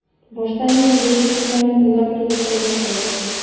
Башта ниндидер чишелмәгән уйлар тулып кайнашалар.